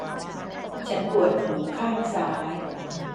ฉันปวดหูข้างซ้าย